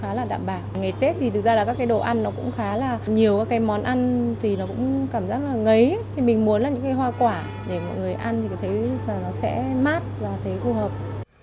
khá là đạm bạc ngày tết vì thực ra là các cái đồ ăn thì nó cũng khá là nhiều cái món ăn thì nó cũng cảm giác là ngấy thì mình muốn là những cây hoa quả để mọi người ăn thì sẽ thấy là nó sẽ mát và thấy phù hợp